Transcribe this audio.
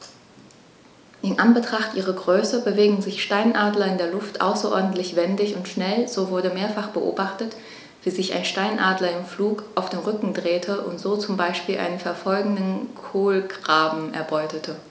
In Anbetracht ihrer Größe bewegen sich Steinadler in der Luft außerordentlich wendig und schnell, so wurde mehrfach beobachtet, wie sich ein Steinadler im Flug auf den Rücken drehte und so zum Beispiel einen verfolgenden Kolkraben erbeutete.